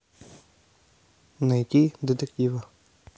найди детективы